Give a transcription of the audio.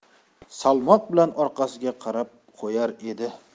salmoq bilan orqasiga qarab qo'yar edi